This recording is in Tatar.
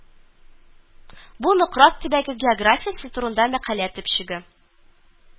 Бу Нократ төбәге географиясе турында мәкалә төпчеге